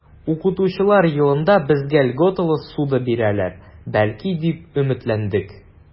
Укытучылар елында безгә льготалы ссуда бирерләр, бәлки, дип өметләндек.